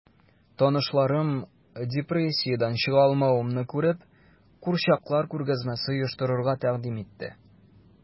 Танышларым, депрессиядән чыга алмавымны күреп, курчаклар күргәзмәсе оештырырга тәкъдим итте...